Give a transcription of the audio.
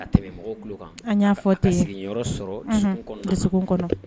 Ka tɛmɛ mɔgɔw tulo kan an y'a fɔ ten, ka sigiyɔrɔ sɔrɔ, unhun, ka sigiyɔrɔ dusukun kɔnɔ dusuku kɔnɔna na